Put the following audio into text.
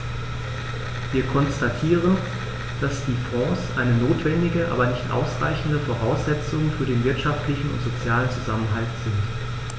Wir konstatieren, dass die Fonds eine notwendige, aber nicht ausreichende Voraussetzung für den wirtschaftlichen und sozialen Zusammenhalt sind.